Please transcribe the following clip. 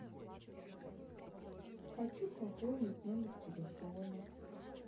хочу пополнить номер телефона